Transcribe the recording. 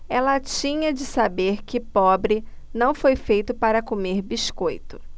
ela tinha de saber que pobre não foi feito para comer biscoito